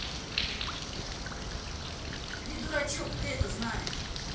pi дурачок и ты это знаешь